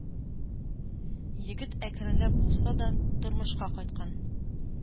Егет әкренләп булса да тормышка кайткан.